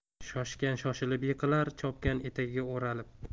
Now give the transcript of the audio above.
shoshgan shoshilib yiqilar chopgan etagiga o'ralib